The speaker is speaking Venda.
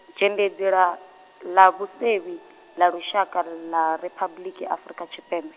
Dzhendedzi ḽa, ḽa vhusevhi, ḽa Lushaka l- ḽa Riphabuḽiki Afrika Tshipembe.